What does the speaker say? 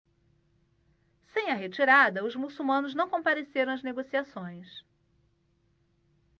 sem a retirada os muçulmanos não compareceram às negociações